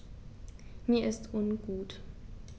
Mir ist ungut.